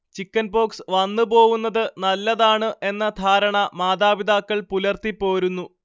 chickenpox വന്നുപോ വുന്നത് നല്ലതാണു എന്ന ധാരണ മാതാപിതാക്കൾ പുലർത്തിപോരുന്നു